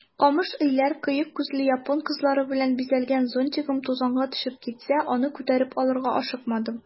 Камыш өйләр, кыек күзле япон кызлары белән бизәлгән зонтигым тузанга төшеп китсә, аны күтәреп алырга ашыкмадым.